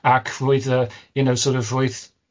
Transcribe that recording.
ac roedd yy, you know, sor' of roedd